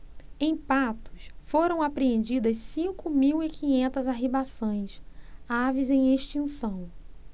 em patos foram apreendidas cinco mil e quinhentas arribaçãs aves em extinção